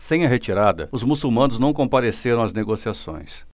sem a retirada os muçulmanos não compareceram às negociações